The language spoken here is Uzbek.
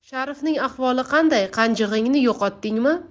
sharifning ahvoli qanday qanjig'ingni yo'qotdingmi